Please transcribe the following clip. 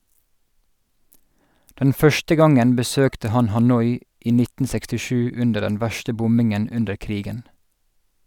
Den første gangen besøkte han Hanoi i 1967 under den verste bombingen under krigen.